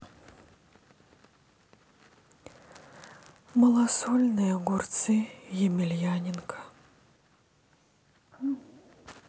малосольные огурцы емельяненко